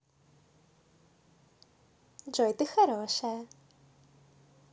джой ты хорошая